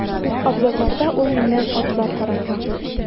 Абзарларда ул миннән атлар карата.